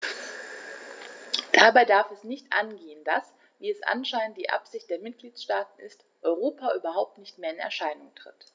Dabei darf es nicht angehen, dass - wie es anscheinend die Absicht der Mitgliedsstaaten ist - Europa überhaupt nicht mehr in Erscheinung tritt.